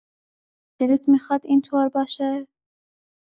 دلت می‌خواد اینطور باشه؟